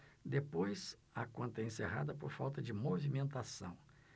depois a conta é encerrada por falta de movimentação